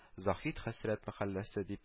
Заһид хәсрәт мәхәлләсе дип